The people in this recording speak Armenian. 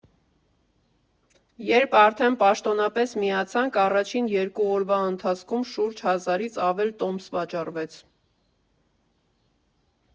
Երբ արդեն պաշտոնապես միացանք, առաջին երկու օրվա ընթացքում շուրջ հազարից ավել տոմս վաճառվեց։